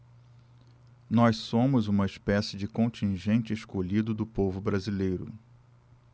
nós somos uma espécie de contingente escolhido do povo brasileiro